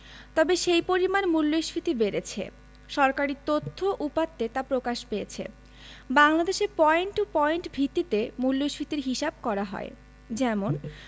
তবে সেই পরিমাণ মূল্যস্ফীতি বেড়েছে সরকারি তথ্য উপাত্তে তা প্রকাশ পেয়েছে বাংলাদেশে পয়েন্ট টু পয়েন্ট ভিত্তিতে মূল্যস্ফীতির হিসাব করা হয় যেমন